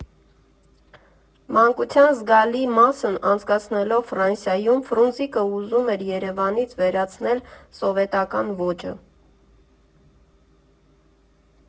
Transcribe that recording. Մանկության զգալի մասն անցկացնելով Ֆրանսիայում՝ Ֆրունզիկն ուզում է Երևանից վերացնել սովետական ոճը։